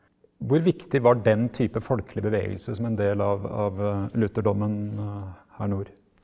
hvor viktig var den type folkelig bevegelse som en del av av lutherdommen her nord?